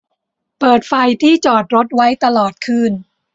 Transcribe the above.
เปิดไฟที่จอดรถไว้ตลอดคืน